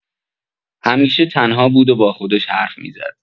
همیشه تنها بود و با خودش حرف می‌زد.